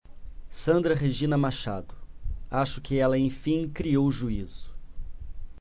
sandra regina machado acho que ela enfim criou juízo